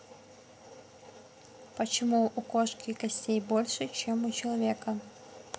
почему у кошки костей больше чем у человека